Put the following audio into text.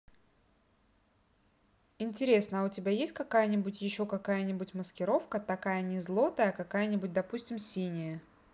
интересно а у тебя есть какая нибудь еще какая нибудь маскировка такая не злотая какая нибудь допустим синяя